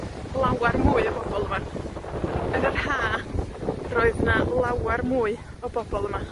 lawar mwy o bobol yma. Yn yr Ha, roedd 'na lawar mwy o bobol yma.